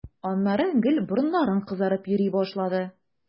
Аннары гел борыннарың кызарып йөри башлады.